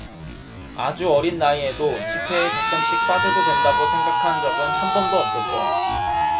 아주 어린 나이에도 집회에 가끔씩 빠져도 된다고 생각한 적은 한 번도 없었죠